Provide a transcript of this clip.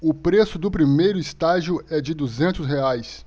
o preço do primeiro estágio é de duzentos reais